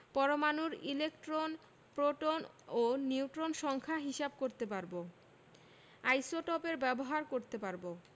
পরমাণুর electron proton ও neutron সংখ্যা হিসাব করতে পারব আইসোটোপের ব্যবহার ব্যাখ্যা করতে পারব